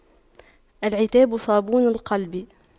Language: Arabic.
العتاب صابون القلب